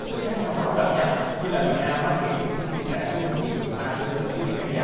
sự khác nhau rõ rệt nha như là miền nam thì cũng xin chia sẻ luôn với chị quỳnh hoa cũng như là quý vị khán giả